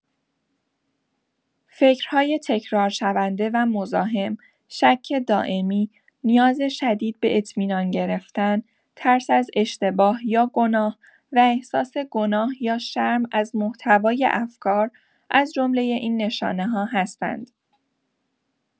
فکرهای تکرارشونده و مزاحم، شک دائمی، نیاز شدید به اطمینان گرفتن، ترس از اشتباه یا گناه، و احساس گناه یا شرم از محتوای افکار، از جمله این نشانه‌ها هستند.